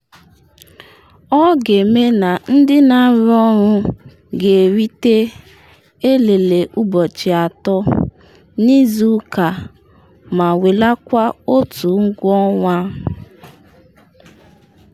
Ọ ga-eme na ndị na-arụ ọrụ ga-erite elele ụbọchị atọ n’izu ụka ma welakwaa otu ụgwọ ọnwa.